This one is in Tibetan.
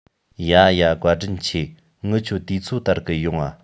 ཡ ཡ བཀའ དྲིན ཆེ ངི ཆོ དུས ཚོད ལྟར གི ཡོང ང